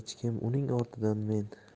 echkim uning ortidan men